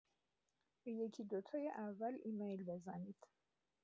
به یکی دو تای اول ایمیل بزنید.